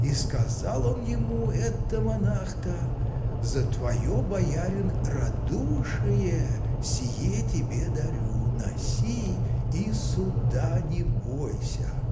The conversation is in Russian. И сказал он ему этта монах-то: "За твое, боярин, радушие сие тебе дарю носи -- и суда не бойся".